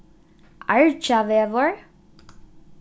argjavegur